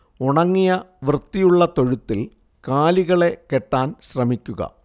ഉണങ്ങിയ വൃത്തിയുള്ള തൊഴുത്തിൽ കാലികളെ കെട്ടാൻ ശ്രമിക്കുക